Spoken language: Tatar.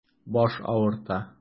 Баш авырта.